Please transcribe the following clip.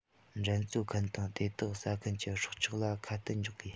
འགྲན རྩོད མཁན དང དེ དག ཟ མཁན གྱི སྲོག ཆགས ལ ཁ གཏད འཇོག དགོས